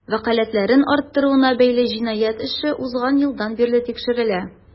Вәкаләтләрен арттыруына бәйле җинаять эше узган елдан бирле тикшерелә.